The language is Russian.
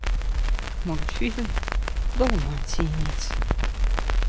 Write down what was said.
мультфильм долматинец